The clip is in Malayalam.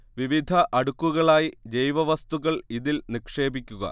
വിവിധ അടുക്കുകളായി ജൈവവസ്തുക്കൾ ഇതിൽ നിക്ഷേപിക്കുക